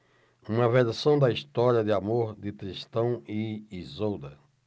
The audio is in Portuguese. uma versão da história de amor de tristão e isolda